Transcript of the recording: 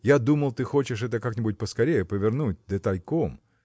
Я думал, ты хочешь это как-нибудь поскорее повернуть, да тайком.